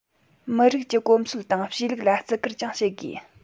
མི རིགས ཀྱི གོམས སྲོལ དང གཤིས ལུགས ལ བརྩི བཀུར ཀྱང བྱེད དགོས